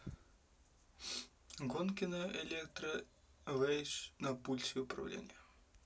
гонки на электро vahe на пульте управления